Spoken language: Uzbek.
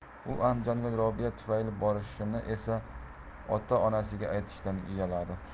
u andijonga robiya tufayli borishini esa ota onasiga aytishdan uyaladi